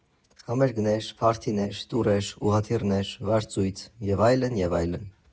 Համերգներ, փարթիներ, տուրեր, ուղղաթիռների վարձույթ և այլն, և այլն։